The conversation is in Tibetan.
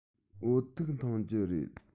བོད ཐུག འཐུང རྒྱུ རེད